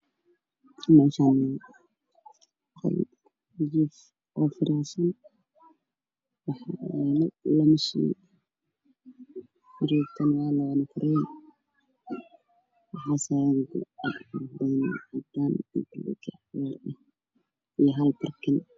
Meeshan uu meel bannaan ah waxaa iga muuqdo geedka loola oo cagaara oo baxayo dabaqdheer oo ka dambee yay